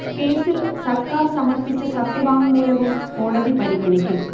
കേസിൽ സർക്കാർ സമർപ്പിച്ച സത്യവാങ്മൂലവും കോടതി പരിഗണിക്കും